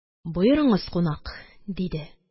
Боерыңыз, кунак! – диде.